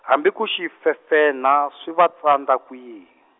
hambi ku xi fefenha swi va tsandza kwihi.